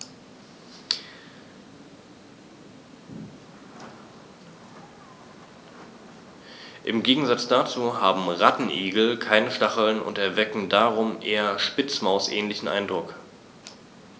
Im Gegensatz dazu haben Rattenigel keine Stacheln und erwecken darum einen eher Spitzmaus-ähnlichen Eindruck.